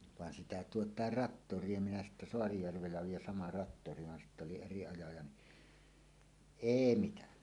vaan sitä tuota traktoria minä sitten Saarijärvellä olin ja sama traktori vaan sitten oli eri ajaja niin ei mitään